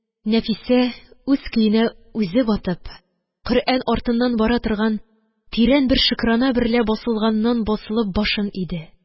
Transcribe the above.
Нәфисә, үз көенә үзе батып, Коръән артыннан бара торган тирән бер шөкранә берлә басылганнан-басылып башын иде